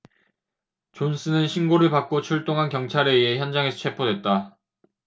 존슨은 신고를 받고 출동한 경찰에 의해 현장에서 체포됐다